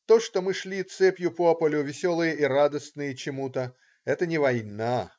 то, что мы шли цепью по полю, веселые и радостные чему-то,- это не "война".